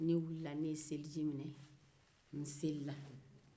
ne wulila ka seliji minɛ